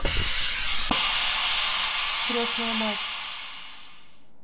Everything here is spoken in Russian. крестная мать